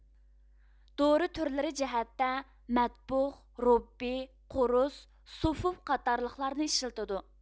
دورا تۈرلىرى جەھەتتە مەتبۇخ رۇببى قۇرس سۇفۇف قاتارلىقلارنى ئىشلىتىدۇ